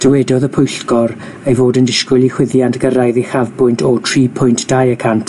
Dywedodd y pwyllgor ei fod yn disgwyl i chwyddiant gyrraedd uchafbwynt o tri pwynt dau y cant